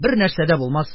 Бернәрсә дә булмас,